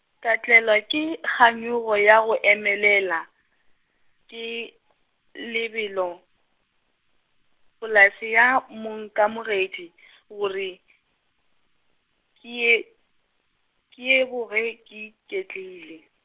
ka tlelwa ke kganyogo ya go emelela, ke lebelo, polase ya monkamogedi , gore, ke ye, ke ye boge ke iketlile.